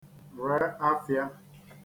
re afịa